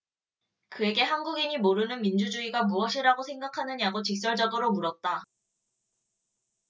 그에게 한국인이 모르는 민주주의가 무엇이라고 생각하느냐고 직설적으로 물었다